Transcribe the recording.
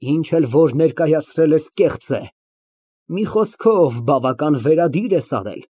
Ինչ որ էլ ներկայացրել ես, կեղծ է։ Մի խոսքով, բավական վերադիր ես արել։